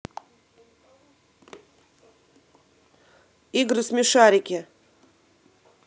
игры смешарики